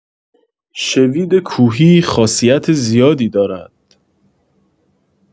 شوید کوهی خاصیت زیادی دارد